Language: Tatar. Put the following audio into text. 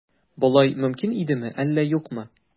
Болай мөмкин идеме, әллә юкмы?